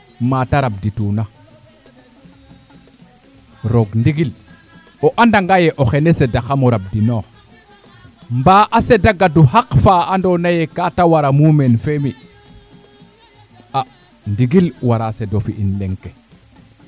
mata rabdi tuuna roog ndigil o anda nga ye o xene sada xamo rabdi noox mba a seda gadu xaqfa ando naye kaate wara mumeen fe mi a ndigil wara sedo fi in leŋ ke